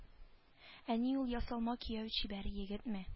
Әни ул ясалма кияү чибәр егетме